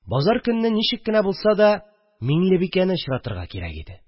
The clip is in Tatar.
Базар көнне ничек кенә булса да Миңлебикәне очратырга кирәк иде